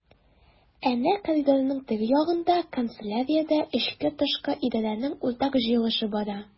Әнә коридорның теге ягында— канцеляриядә эчке-тышкы идарәнең уртак җыелышы бара.